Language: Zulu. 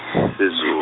siZu-.